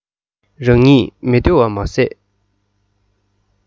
རང ཉིད མི བདེ བ མ ཟད